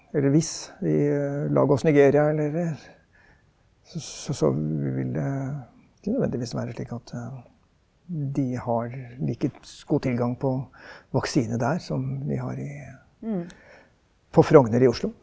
eller hvis vi Lagos, Nigeria eller så så vil det ikke nødvendigvis være slik at de har like god tilgang på vaksine der som vi har i på Frogner i Oslo.